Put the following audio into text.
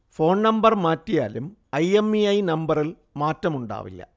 Phone number മാറ്റിയാലും I. M. E. I. നമ്പറിൽ മാറ്റമുണ്ടാവില്ല